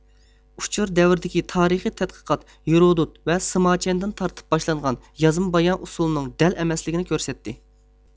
ئۇچۇر دەۋرىدىكى تارىخىي تەتقىقات ھېرودود ۋە سىماچيەندىن تارتىپ باشلانغان يازما بايان ئۇسۇلىنىڭ دەل ئەمەسلىكىنى كۆرسەتتى